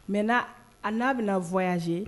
Mɛ na a n'a bɛna na wsee